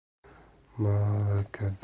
ma'arakada teng bo'lmasa